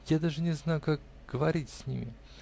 Я даже не знаю, как говорить с ними.